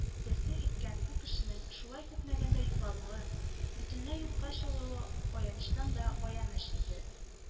Тәэсир иткән бу кешенең шулай көтмәгәндә югалуы, бөтенләй юкка чыгуы аянычтан да аяныч иде